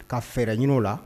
Ka fɛɛrɛ ɲ la